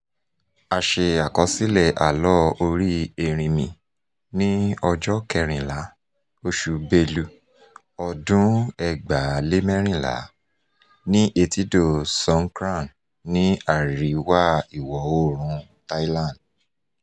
A ṣe àkọsílẹ̀ àlọ́ Orí Erinmi ní ọjọ́ 16, oṣù Belu, ọdún 2014, ní etídò Songkran ní àríwá-ìwọ̀-oòrùn Thailand.